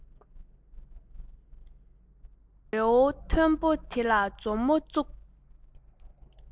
རི བོ མཐོན པོ དེ ལ མཛུབ མོ བཙུགས